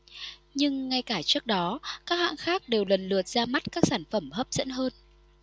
nhưng ngay cả trước đó các hãng khác đều lần lượt ra mắt các sản phẩm hấp dẫn hơn